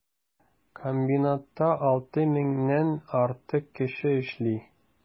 Комбинатта 6 меңнән артык кеше эшли.